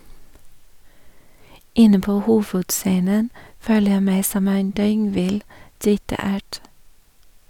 - Inne på Hovudscenen føler jeg meg som en døgnvill, drita ert.